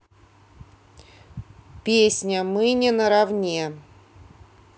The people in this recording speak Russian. песня мы не наравне